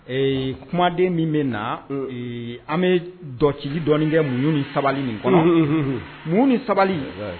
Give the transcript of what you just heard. Ee kumaden min bɛ na an bɛ dɔci dɔni kɛ muɲ ni sabali nin kɔnɔ mun ni sabali